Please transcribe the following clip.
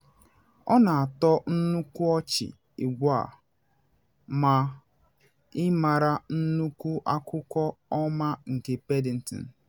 Ọ na atọ nnukwu ọchị ugbu a ma ị mara nnukwu akụkọ ọma nke Paddington.”